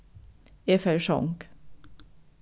eg fari í song